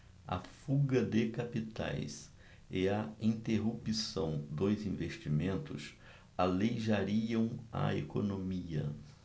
a fuga de capitais e a interrupção dos investimentos aleijariam a economia